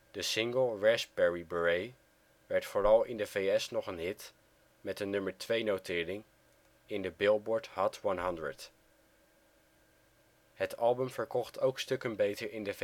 De single Raspberry Beret werd vooral in de V.S. nog een hit met een nummer-twee-notering in de Billboard Hot 100 (nl: #19). Het album verkocht ook stukken beter in de